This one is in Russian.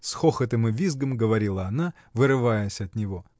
— с хохотом и визгом говорила она, вырываясь от него.